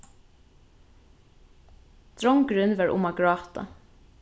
drongurin var um at gráta